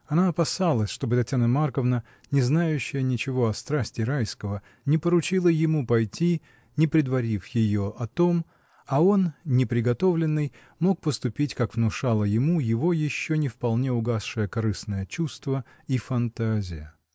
Она опасалась, чтобы Татьяна Марковна, не знающая ничего о страсти Райского, не поручила ему пойти, не предварив ее о том, а он, неприготовленный, мог поступить, как внушало ему его еще не вполне угасшее корыстное чувство и фантазия.